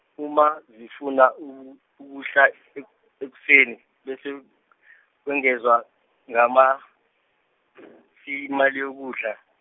uma, zifuna u- ek- ekuseni bese, kwengezwa ngama , imali yokudla.